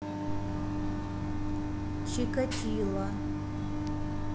чикатила